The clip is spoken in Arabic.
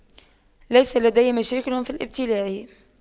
ليس لدي مشاكل في الابتلاع